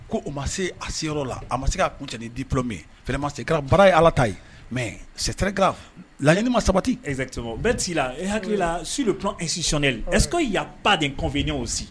Ko u ma se a seyɔrɔ la a ma se k ka kun tɛ ni dip min fma se baara ye ala ta ye mɛ sɛrika laɲiniinin ma sabati bɛɛ t' la e hakilila su de esicɛ es yaba definw si